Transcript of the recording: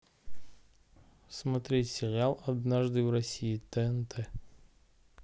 смотреть сериал однажды в россии тнт